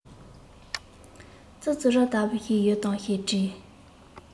ཙི ཙི ར ལྟ བུ ཞིག ཡོད དམ ཞེས དྲིས